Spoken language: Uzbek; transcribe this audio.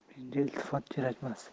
menga iltifot kerakmas